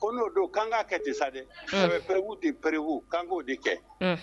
O n'o don kan ka kɛ jatesa de sɛbɛpɛribuu de pɛwu kan b'o de kɛ